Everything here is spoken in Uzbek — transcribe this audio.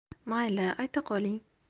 mayli ayta qoling